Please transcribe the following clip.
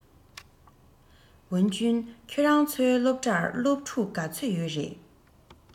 ཝུན ཅུན ཁྱོད རང ཚོའི སློབ གྲྭར སློབ ཕྲུག ག ཚོད ཡོད རེད